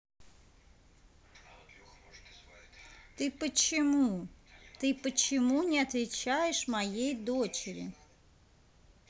ты почему ты почему не отвечаешь моей дочери